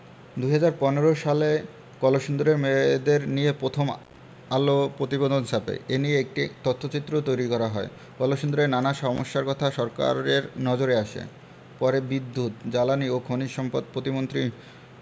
২০১৫ সালে কলসিন্দুরের মেয়েদের নিয়ে পথম আলো পতিবেদন ছাপে এ নিয়ে একটি তথ্যচিত্রও তৈরি করা হয় কলসিন্দুরের নানা সমস্যার কথাও সরকারের নজরে আসে পরে বিদ্যুৎ জ্বালানি ও খনিজ সম্পদ পতিমন্ত্রী